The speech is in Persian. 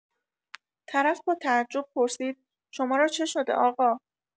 طرف با تعجب پرسید: شما را چه شده آقا؟!